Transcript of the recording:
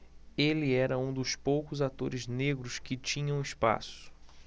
ele era um dos poucos atores negros que tinham espaço